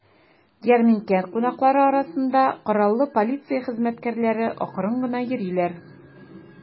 Ярминкә кунаклары арасында кораллы полиция хезмәткәрләре акрын гына йөриләр.